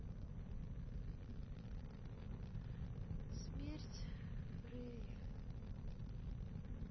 смерть freya